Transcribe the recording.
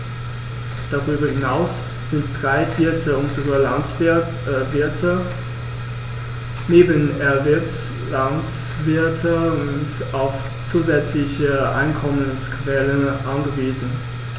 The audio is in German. Darüber hinaus sind drei Viertel unserer Landwirte Nebenerwerbslandwirte und auf zusätzliche Einkommensquellen angewiesen.